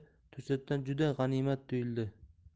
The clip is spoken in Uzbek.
to'satdan juda g'animat tuyuldi